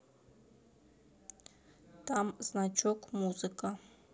там значок музыка